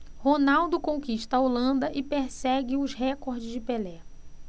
ronaldo conquista a holanda e persegue os recordes de pelé